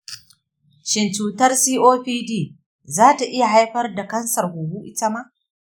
shin cutar copd za ta iya haifar da kansar huhu ita ma?